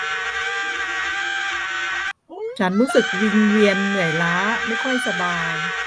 ฉันรู้สึกวิงเวียนเหนื่อยล้าไม่ค่อยสบาย